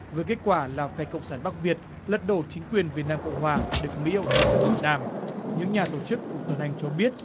với kết quả là phe cộng sản bắc việt lật đổ chính quyền việt nam cộng hòa được mỹ hậu thuẫn ở miền nam những nhà tổ chức cuộc tuần hành cho biết